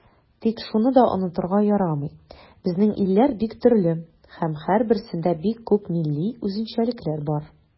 Тик шуны да онытырга ярамый, безнең илләр бик төрле һәм һәрберсендә бик күп милли үзенчәлекләр бар.